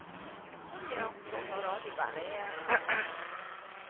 cũng có nhiều rồi sau đó thì bạn ấy